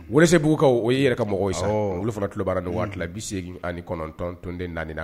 Walasa se b' ka o y'i yɛrɛ ka mɔgɔ ye sɔrɔ olu fana tuloba don waa bi se anitɔntɔnonden naani